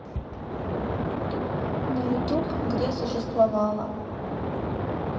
на ютуб где существовала